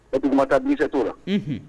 E duguma taa mitɔ la